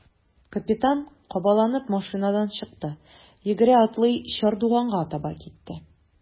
Капитан кабаланып машинадан чыкты, йөгерә-атлый чардуганга таба китте.